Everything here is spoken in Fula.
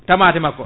tamate makko